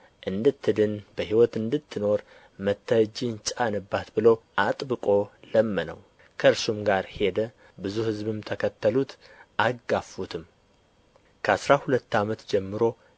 እንድትድንና በሕይወት እንድትኖር መጥተህ እጅህን ጫንባት ብሎ አጥብቆ ለመነው ከእርሱም ጋር ሄደ ብዙ ሕዝብም ተከተሉት አጋፉትም ከአሥራ ሁለት ዓመትም ጀምሮ